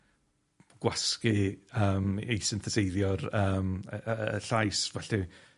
gwasgu yym ei syntheseiddio'r yym yy y llais, felly